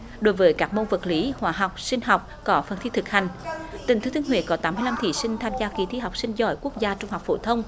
đối với các môn vật lý hóa học sinh học có phần thi thực hành tỉnh thừa thiên huế có tám mươi lăm thí sinh tham gia kỳ thi học sinh giỏi quốc gia trung học phổ thông